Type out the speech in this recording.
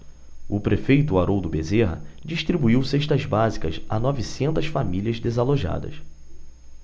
o prefeito haroldo bezerra distribuiu cestas básicas a novecentas famílias desalojadas